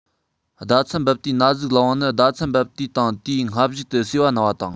ཟླ མཚན འབབ དུས ན ཟུག ལངས པ ནི ཟླ མཚན འབབ དུས དང དེའི སྔ གཞུག ཏུ གསུས པ ན བ དང